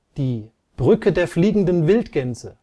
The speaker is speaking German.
Die " Brücke der fliegenden Wildgänse